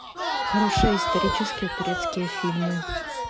хорошие исторические турецкие фильмы